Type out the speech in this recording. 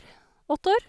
Åtte år.